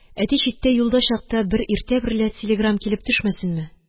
Әти читтә юлда чакта бер иртә берлә телеграм килеп төшмәсенме!